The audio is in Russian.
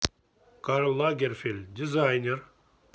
карл лагерфельд дизайнер